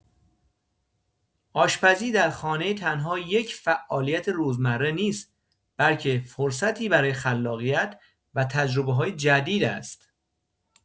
آشپزی در خانه تنها یک فعالیت روزمره نیست، بلکه فرصتی برای خلاقیت و تجربه‌های جدید است.